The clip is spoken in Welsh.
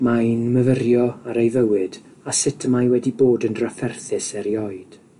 mae'n myfyrio ar ei fywyd a sut y mae wedi bod yn drafferthus erioed.